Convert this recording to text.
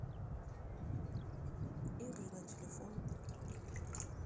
игры на телефоне